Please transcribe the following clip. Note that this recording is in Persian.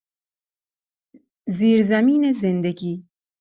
زیرزمین زندگی